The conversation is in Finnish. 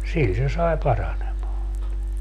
sillä se sai paranemaan ne